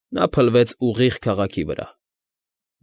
Նա փլվեց ուղիղ քաղաքի վրա։